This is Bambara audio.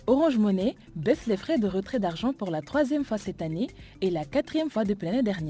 O zumen bɛɛfi filɛ furakɛ dete datilauranzefasi ta ye e la kɛti fa depɛ dan ye